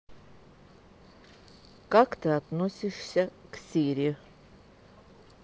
как ты относишься к сири